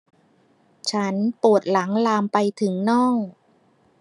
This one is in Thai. ฉันปวดหลังลามไปถึงน่อง